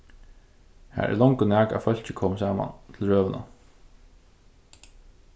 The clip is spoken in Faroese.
har er longu nakað av fólki komið saman til røðuna